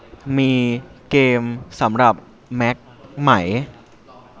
มีเกมสำหรับแมคไหม